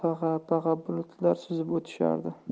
pag'a pag'a bulutlar suzib o'tishardi